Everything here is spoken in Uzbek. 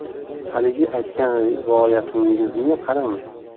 haligi aytgan rivoyatingizni qarang